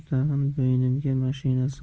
tag'in bo'ynimga mashina soldi